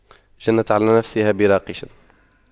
جنت على نفسها براقش